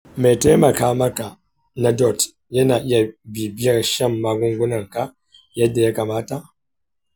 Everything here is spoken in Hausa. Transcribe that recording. mai taimaka maka na dots yana iya bibiyar shan magungunanka yadda ya kamata?